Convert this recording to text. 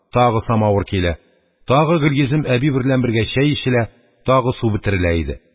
Тагы самавыр килә, тагы гөлйөзем әби берлән бергә чәй эчелә, тагы су бетерелә иде.